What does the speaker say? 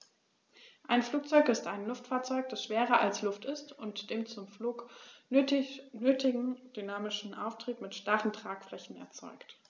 Ein Flugzeug ist ein Luftfahrzeug, das schwerer als Luft ist und den zum Flug nötigen dynamischen Auftrieb mit starren Tragflächen erzeugt.